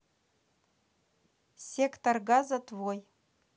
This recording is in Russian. сектор газа твой